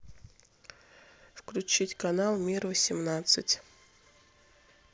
включить канал мир восемнадцать